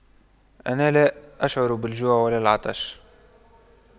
أنا لا أشعر بالجوع ولا العطش